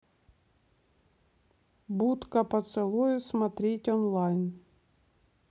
будка поцелуев смотреть онлайн